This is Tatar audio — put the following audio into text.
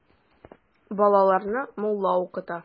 Балаларны мулла укыта.